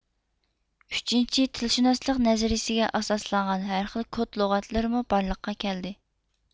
ئۈچىنچى تىلشۇناسلىق نەزەرىيىسىگە ئاساسلانغان ھەرخىل كود لۇغەتلىرىمۇ بارلىققا كەلدى